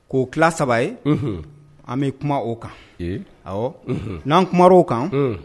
K'o ki saba ye an bɛ kuma o kan ɔ n'an kuma' kan